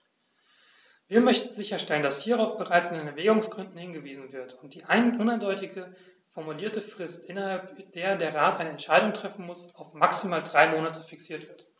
Wir möchten sicherstellen, dass hierauf bereits in den Erwägungsgründen hingewiesen wird und die uneindeutig formulierte Frist, innerhalb der der Rat eine Entscheidung treffen muss, auf maximal drei Monate fixiert wird.